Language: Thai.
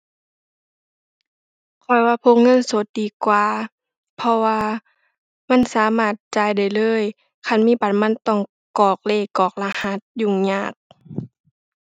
ข้อยว่าพกเงินสดดีกว่า เพราะว่ามันสามารถจ่ายได้เลย คันมีบัตรมันต้องกรอกเลขกรอกรหัส ยุ่งยาก